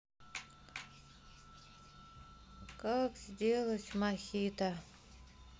как сделать мохито